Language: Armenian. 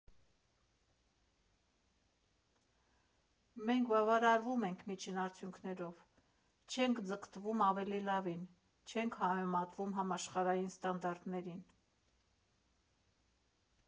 Մենք բավարարվում ենք միջին արդյունքներով, չենք ձգտվում ավելի լավին, չենք համեմատվում համաշխարհային ստանդարտներին։